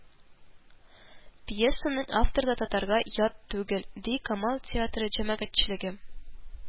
Пьесаның авторы да татарга ят түгел, ди Камал театры җәмәгатьчелеге